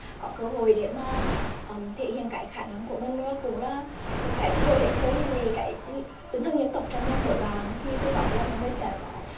có cơ hội để mà thể hiện cái khả năng của mình và cũng là một cái cơ hội để khơi lên cái tinh thần dân tộc trong lòng mỗi bạn thì từ đó là mỗi người sẽ có